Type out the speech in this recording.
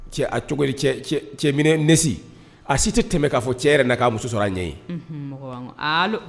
Cɛ cogo cɛminɛ nesi a si tɛ tɛmɛ k'a fɔ cɛ yɛrɛ'a muso sɔrɔ an ɲɛ ye